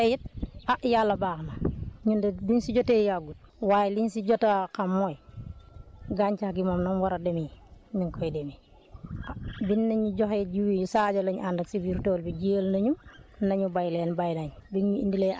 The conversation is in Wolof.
te ba tey it ah yàlla baax na ñun de biñ si jotee yàggul waaye liñ si jot a xam mooy gàncax gi moom na mu war a demee mi ngi koy demee biñ ne ñu joxee jiw yi Sadio la ñu àndal si biir tool yi jiyal nañu ne ñu béy leen béy nañ